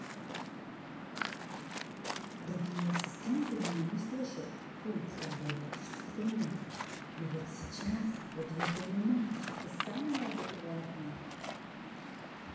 другие ассистенты меня не слышат пульт когда я хочу что то поменять но вот сейчас вот я понимаю что ты самая адекватная